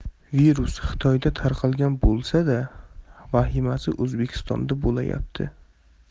virus xitoyda tarqalgan bo'lsa da vahimasi o'zbekistonda bo'lyapti